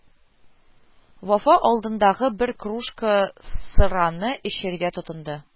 Вафа алдындагы бер кружка сыраны эчәргә тотынды